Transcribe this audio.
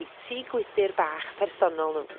'U tŷ gwydyr bach personol n'w.